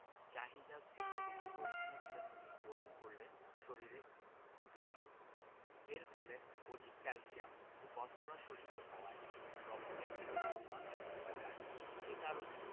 চাহিদা থেকে বেশী পরিমাণে ভিটামিন D গ্রহণ করলে শরীরে ক্ষতি হয় এর ফলে অধিক ক্যালসিয়াম ও ফসফরাস শোষিত হওয়ায় রক্তে এদের পরিমাণ বৃদ্ধি পায় যে কারণে